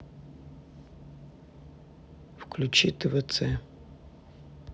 включи твц